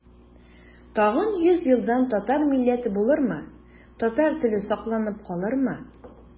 Тагын йөз елдан татар милләте булырмы, татар теле сакланып калырмы?